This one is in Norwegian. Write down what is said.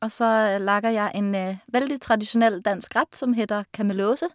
Og så laget jeg en veldig tradisjonell dansk rett som heter Kamelose.